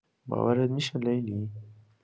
باورت می‌شه لیلی؟